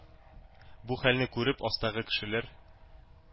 Бу хәлне күреп астагы кешеләр